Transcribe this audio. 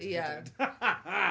Ie.